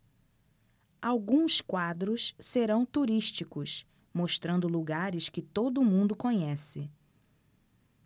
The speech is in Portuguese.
alguns quadros serão turísticos mostrando lugares que todo mundo conhece